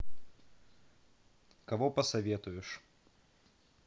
кого посоветуешь